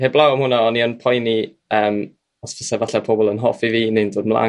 heblawe am hwnna oni yn poeni yym os fase pobol yn hoffi fi neu'n dod 'mla'n